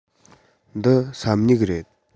འདི ས སྨྱུག རེད